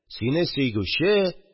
«сине сөйгүче...»